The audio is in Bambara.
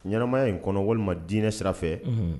Ɲɛnamaya in kɔnɔ walima diinɛ sira fɛ unhun